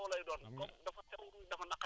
waaw mooy gunóor bu xonq bi wala